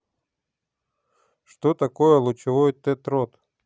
что такое лучевой тетрод